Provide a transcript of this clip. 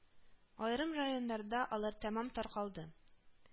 Аерым районнарда алар тәмам таркалды